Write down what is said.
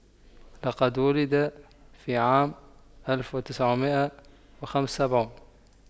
لقد ولد في عام ألف وتسعمئة وخمسة وسبعون